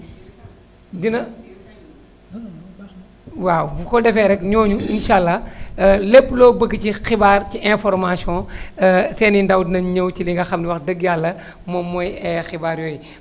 dina waaw su ko defee rek ñooñu incha allah lépp loo bëgg ci xibaar information seen i ndax dinañ ñëw ci li nga xam ne wax dëgg yàlla moom mooy xibaar yooyu